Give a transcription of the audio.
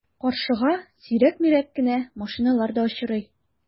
Каршыга сирәк-мирәк кенә машиналар да очрый.